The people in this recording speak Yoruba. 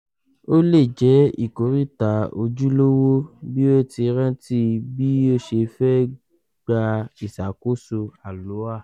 ’’Ó lè jẹ́ ìkoríta ojúlówó’’ bí ó ti rántí bí ó ṣe fẹ́ gba ìṣàkóso Alloa.